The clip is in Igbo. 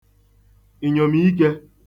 ìnyòmìikē